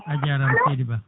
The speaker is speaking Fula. a jarama seydi Ba